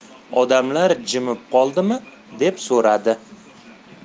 odamlar jimib qoldimi deb so'radi